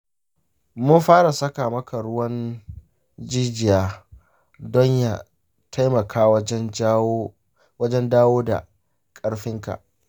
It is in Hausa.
mun fara saka maka ruwan jijiya don ya taimakawa wajen dawo da karfinka.